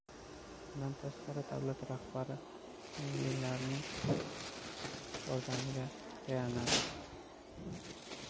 bundan tashqari davlat rahbari ko'ngillilarning yordamiga tayanadi